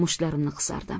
mushtlarimni qisardim